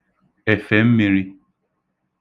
èfèmmīrī